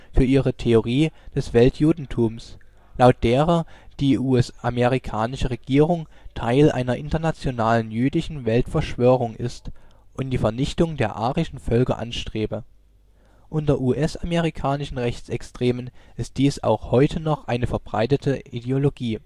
für ihre Theorie des Weltjudentums, laut derer die US-amerikanische Regierung Teil einer internationalen jüdischen Weltverschwörung ist und die Vernichtung der arischen Völker anstrebe. Unter US-amerikanischen Rechtsextremen ist dies auch heute noch eine verbreitete Ideologie